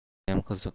judayam qiziq